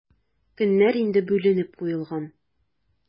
Көннәр инде бүленеп куелган.